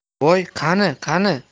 voy qani qani